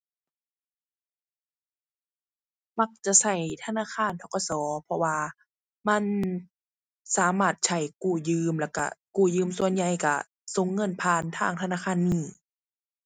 มักจะใช้ธนาคาร ธ.ก.ส. เพราะว่ามันสามารถใช้กู้ยืม แล้วใช้กู้ยืมส่วนใหญ่ใช้ส่งเงินผ่านทางธนาคารนี้